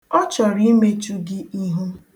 Ọ chọrọ imechu gị ihu.